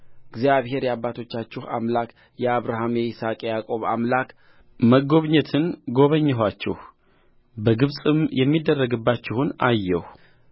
እግዚአብሔር የአባቶቻችሁ አምላክ የአብርሃም የይስሐቅም የያዕቆብም አምላክ መጐብኘትን ጐበኘኋችሁ በግብፅም የሚደረግባችሁን አየሁ